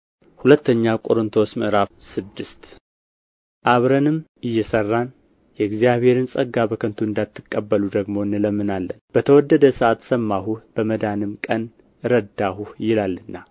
ሁለተኛ ቆሮንቶስ ምዕራፍ ስድስት አብረንም እየሠራን የእግዚአብሔርን ጸጋ በከንቱ እንዳትቀበሉ ደግሞ እንለምናለን በተወደደ ሰዓት ሰማሁህ በመዳንም ቀን ረዳሁህ ይላልና